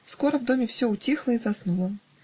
Скоро в доме все утихло и заснуло.